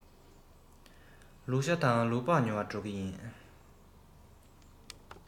ལུག ཤ དང ལུག ལྤགས ཉོ བར འགྲོ གི ཡིན